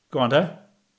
Go on te.